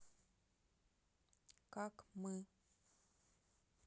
как мы